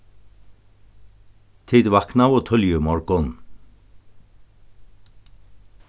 tit vaknaðu tíðliga í morgun